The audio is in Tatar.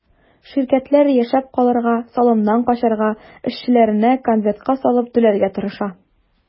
Ширкәтләр яшәп калырга, салымнан качарга, эшчеләренә конвертка салып түләргә тырыша.